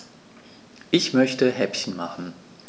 Ich möchte Häppchen machen.